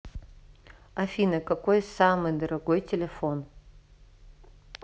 афина какой самый дорогой телефон